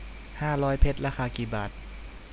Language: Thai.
ห้าร้อยเพชรราคากี่บาท